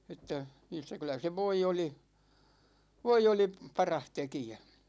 että niistä kyllä se voi oli voi oli paras tekijä